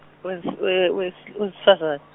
wes- we- wes- wesifazan-.